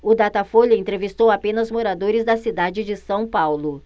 o datafolha entrevistou apenas moradores da cidade de são paulo